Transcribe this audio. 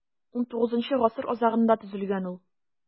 XIX гасыр азагында төзелгән ул.